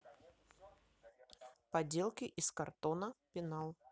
поделки из картона пенал